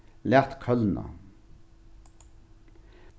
lat kólna